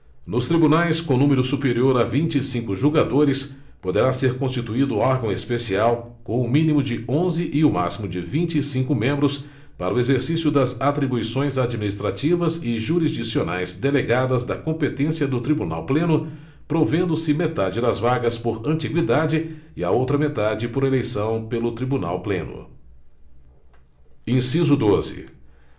nos tribunais com número superior a vinte e cinco julgadores poderá ser constituído órgão especial com o mínimo de onze e o máximo de vinte e cinco membros para o exercício das atribuições administrativas e jurisdicionais delegadas da competência do tribunal pleno provendo se metade das vagas por antigüidade e a outra metade por eleição pelo tribunal pleno inciso doze